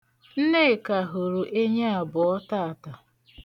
Nneka hụrụ enyi abụọ taata.